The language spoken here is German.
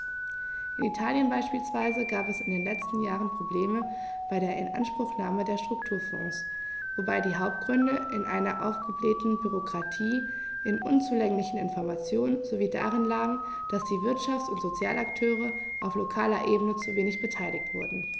In Italien beispielsweise gab es in den letzten Jahren Probleme bei der Inanspruchnahme der Strukturfonds, wobei die Hauptgründe in einer aufgeblähten Bürokratie, in unzulänglichen Informationen sowie darin lagen, dass die Wirtschafts- und Sozialakteure auf lokaler Ebene zu wenig beteiligt wurden.